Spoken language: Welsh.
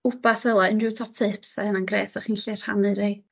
ŵbath fel'a unryw top tips 'sa hynna'n grêt 'sach chi'n gallu rhannu rei